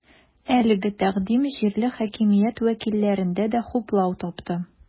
Әлеге тәкъдим җирле хакимият вәкилләрендә дә хуплау тапты.